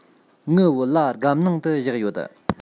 ངའི བོད ལྭ སྒམ ནང དུ བཞག ཡོད